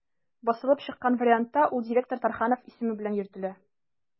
Басылып чыккан вариантта ул «директор Тарханов» исеме белән йөртелә.